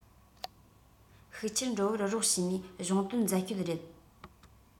ཤུགས ཆེར འགྲོ བར རོགས བྱས ནས གཞུང དོན འཛད སྤྱོད རེད